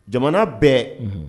Jamana bɛɛ